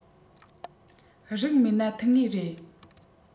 རིགས མེད ན ཐུག ངེས རེད